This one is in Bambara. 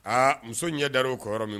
Aa muso ɲɛ dar'o kan yɔrɔ min